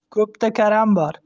ko'pda karam bor